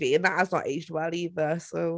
and that has not aged well either, so.